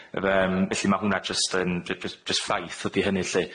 Yr yym, felly ma' hwn'na jyst yn j- jys- jys' ffaith ydi hynny lly.